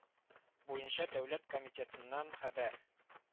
Буенча дәүләт комитетыннан хәбәр